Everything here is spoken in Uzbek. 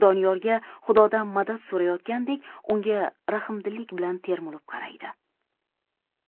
doniyorga xudodan madad so'rayotgandek unga rahmdillik bilan termilib qaraydi